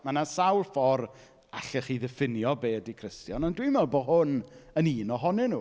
Ma' 'na sawl ffordd allech chi ddiffinio beth ydy Cristion ond dwi'n meddwl bo' hwn yn un ohonyn nhw.